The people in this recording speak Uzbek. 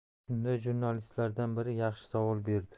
shunda jurnalistlardan biri yaxshi savol berdi